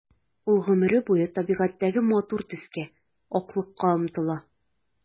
Ул гомере буе табигатьтәге матур төскә— аклыкка омтыла.